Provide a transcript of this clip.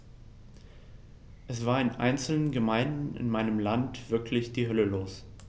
Es war in einzelnen Gemeinden in meinem Land wirklich die Hölle los.